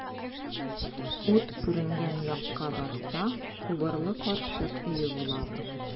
Ут күренгән якка барса, убырлы карчык өе була бу.